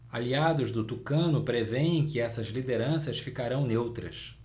aliados do tucano prevêem que essas lideranças ficarão neutras